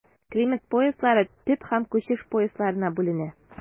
Климат пояслары төп һәм күчеш поясларына бүленә.